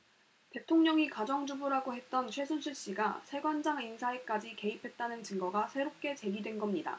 대통령이 가정주부라고 했던 최순실씨가 세관장 인사에까지 개입했다는 증거가 새롭게 제기된겁니다